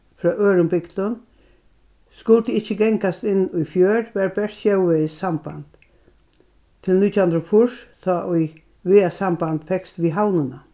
frá øðrum bygdum skuldi ikki gangast inn í fjørð var bert sjóvegis samband til nítjan hundrað og fýrs tá ið vegasamband fekst við havnina